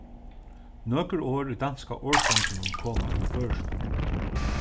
nøkur orð í danska orðfeinginum koma úr føroyskum